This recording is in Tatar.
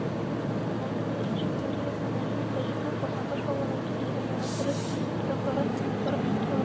Ярышлар башланыр алдыннан Илшат Нуриев һәм Нәҗип Хаҗипов Казанбаш авылында төзелгән яңа терлек торакларын карап чыктылар.